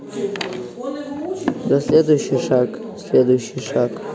да следующий шаг следующий шаг